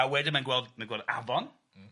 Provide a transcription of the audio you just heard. A wedyn mae'n gweld mae'n gweld afon m-hm.